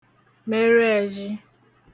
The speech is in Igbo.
merụ ẹzhị